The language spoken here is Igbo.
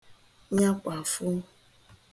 nyakwàfụ